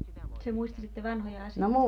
se muisti sitten vanhoja asioita